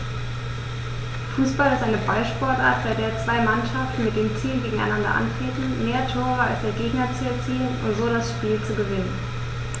Fußball ist eine Ballsportart, bei der zwei Mannschaften mit dem Ziel gegeneinander antreten, mehr Tore als der Gegner zu erzielen und so das Spiel zu gewinnen.